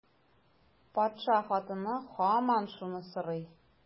Патша хатыны һаман шуны сорый.